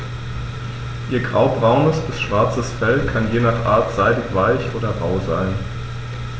Ihr graubraunes bis schwarzes Fell kann je nach Art seidig-weich oder rau sein.